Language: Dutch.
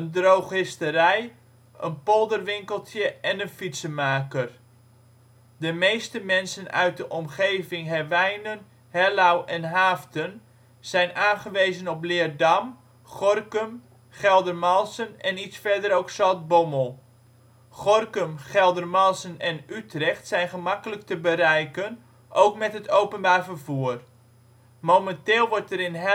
drogisterij, polderwinkeltje en een fietsenmaker. De meeste mensen uit de omgeving Herwijnen, Hellouw en Haaften zijn aangewezen op Leerdam, Gorinchem, Geldermalsen en iets verder ook Zaltbommel. Gorinchem, Geldermalsen en Utrecht zijn gemakkelijk te bereiken, ook met het openbaar vervoer. Momenteel wordt er in